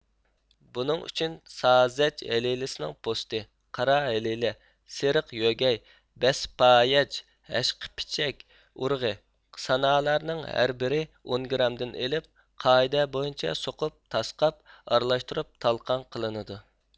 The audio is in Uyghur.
بۇنىڭ ئۈچۈن سازەج ھېلىلىسىنىڭ پوستى قارا ھېلىلە سېرىق يۆگەي بەسپايەج ھەشقىپىچەك ئۇرۇغى سانا لارنىڭ ھەر بىرى ئون گىرامدىن ئېلىپ قائىدە بويىچە سوقۇپ تاسقاپ ئارىلاشتۇرۇپ تالقان قىلىنىدۇ